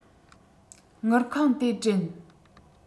དངུལ ཁང དེ དྲན